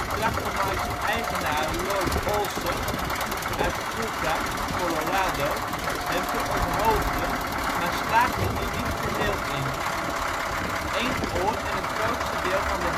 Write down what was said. trachtte Mikes eigenaar Lloyd Olsen uit Fruita (Colorado) hem te onthoofden maar slaagde hier niet geheel in. Eén oor en het grootste deel van de